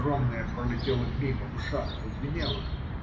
огромное пролетело мимо в ушах зазвенело.